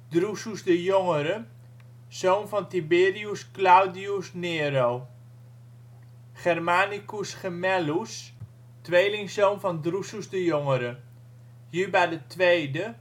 Drusus de Jongere, zoon van Tiberius Claudius Nero Germanicus Gemellus, tweeling zoon van Drusus de Jongere Juba II (75